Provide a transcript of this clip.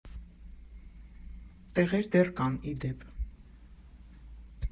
Տեղեր դեռ կան, ի դեպ։